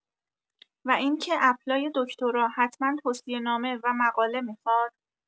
و اینکه اپلای دکترا حتما توصیه‌نامه و مقاله میخواد؟